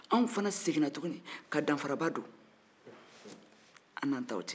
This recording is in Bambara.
anw fana seginna tuguni ka danfaraba don an n'an taw cɛ